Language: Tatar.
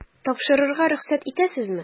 Тапшырырга рөхсәт итәсезме? ..